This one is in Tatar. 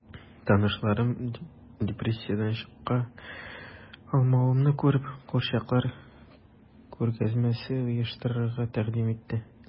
Танышларым, депрессиядән чыга алмавымны күреп, курчаклар күргәзмәсе оештырырга тәкъдим итте...